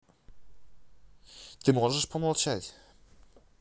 ты можешь помолчать